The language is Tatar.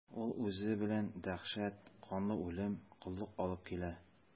Ул үзе белән дәһшәт, канлы үлем, коллык алып килә.